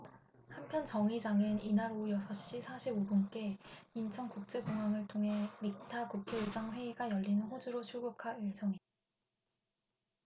한편 정 의장은 이날 오후 여섯 시 사십 오 분께 인천국제공항을 통해 믹타 국회의장 회의가 열리는 호주로 출국할 예정이다